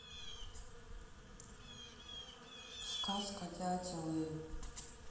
сказка дятел и